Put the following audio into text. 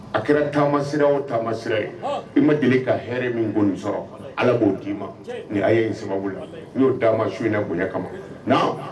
A kɛra taama sira o taama sira ye i ma deli ka hɛrɛ min koni sɔrɔ Ala b'o d'i ma cɛn nin haya in sababu la n y'o d'a' ma su in na bonya kama naam